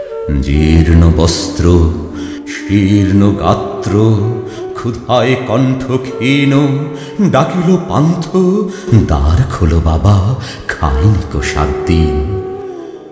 জীর্ণবস্ত্র শীর্ণগাত্র ক্ষুধায় কন্ঠ ক্ষীণ ডাকিল পান্থ দ্বার খোল বাবা খাইনি ক সাত দিন